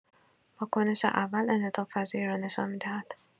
واکنش اول انعطاف‌پذیری را نشان می‌دهد